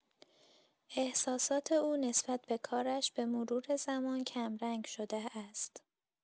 احساسات او نسبت به کارش به‌مرور زمان کم‌رنگ شده است.